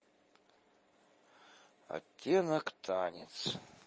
оттенок танец